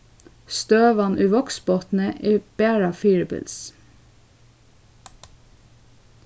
støðan í vágsbotni er bara fyribils